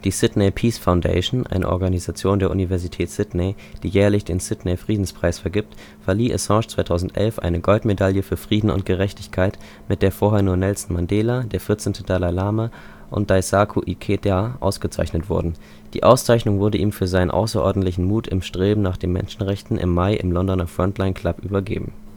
Sydney Peace Foundation, eine Organisation der Universität Sydney, die jährlich den Sydney-Friedenspreis vergibt, verlieh Assange 2011 eine Goldmedaille für Frieden und Gerechtigkeit, mit der vorher nur Nelson Mandela, der 14. Dalai Lama und Daisaku Ikeda ausgezeichnet wurden. Die Auszeichnung wurde ihm für seinen „ außerordentlichen Mut im Streben nach den Menschenrechten “im Mai im Londoner Frontline Club übergeben